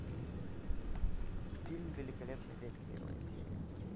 фильм великолепный век первая серия